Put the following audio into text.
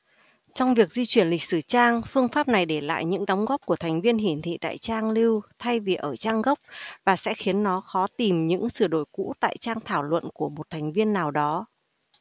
trong việc di chuyển lịch sử trang phương pháp này để lại những đóng góp của thành viên hiển thị tại trang lưu thay vì ở trang gốc và sẽ khiến nó khó tìm những sửa đổi cũ tại trang thảo luận của một thành viên nào đó